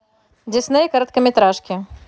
дисней короткометражки